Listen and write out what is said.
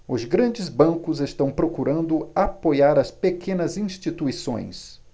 os grandes bancos estão procurando apoiar as pequenas instituições